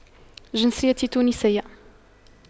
جنسيتي تونسية